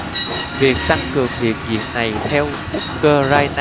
việc tăng cường hiện diện này theo ukraine